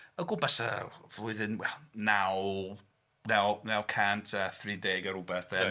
O gwmpas y flwyddyn, wel naw naw cant a thri deg a rhywbeth 'de.